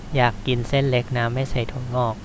อยากกินเส้นเล็กน้ำไม่ใส่ถั่วงอก